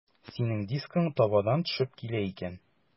Синең дискың табадан төшеп килә икән.